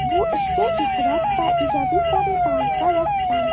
Бу эшкә ифрат та иҗади карый талантлы рәссам.